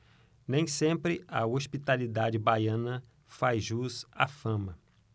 nem sempre a hospitalidade baiana faz jus à fama